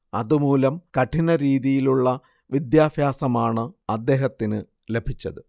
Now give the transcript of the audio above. അതുമൂലം കഠിനരീതിയിലുള്ള വിദ്യാഭാസമാണ് അദ്ദേഹത്തിന് ലഭിച്ചത്